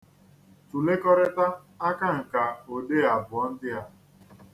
Tulekọrịta akanka odee abụọ ndị a.